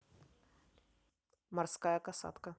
морская касатка